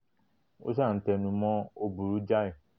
Ó sáà ńtẹnumọ́ 'ó burú jáì'.